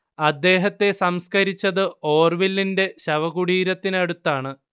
അദ്ദേഹത്തെ സംസ്കരിച്ചത് ഓർവെലിന്റെ ശവകുടീരത്തിനടുത്താണ്